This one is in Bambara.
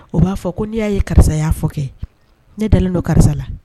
O b'a fɔ ko n'i y'a ye karisaya fɔ kɛ ne dalen don karisa la